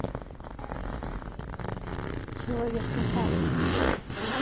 человек какашка